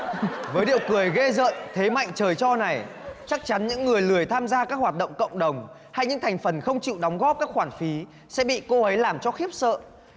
với điệu cười ghê rợn thế mạnh trời cho này chắc chắn những người lười tham gia các hoạt động cộng đồng hay những thành phần không chịu đóng góp các khoản phí sẽ bị cô ấy làm cho khiếp sợ